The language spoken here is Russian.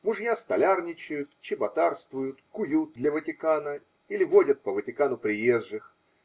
мужья столярничают, чеботарствуют, куют для Ватикана или водят по Ватикану приезжих